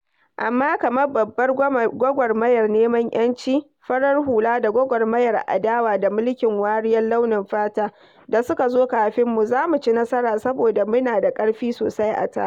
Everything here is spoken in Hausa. Amma, kamar babbar gwagwarmayar neman 'yanci farar hula da gwagwarmayar adawa da mulkin wariyar launin fata da suka zo kafinmu, za mu ci nasara, saboda muna da ƙarfi sosai a tare.